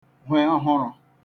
hwe ọhụrụ